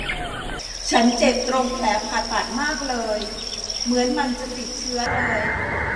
ฉันเจ็บตรงแผลผ่าตัดมากเลยเหมือนมันจะติดเชื้อเลย